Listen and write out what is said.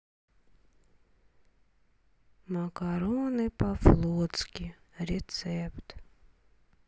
макароны по флотски рецепт